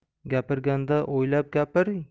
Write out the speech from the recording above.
gapirganda o'ylab gapir